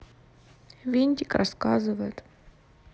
винтик рассказывает